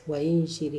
Wa a ye nin gérer